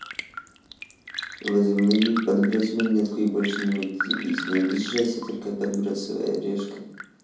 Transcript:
возобнови подбрось монетку и больше не матерись не обижайся только подбрасывая решка